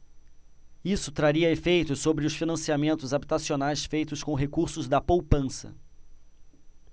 isso traria efeitos sobre os financiamentos habitacionais feitos com recursos da poupança